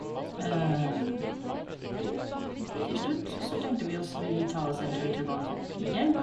Til slutt så tenkte vi oss vi tar oss en tur til Bangkok igjen.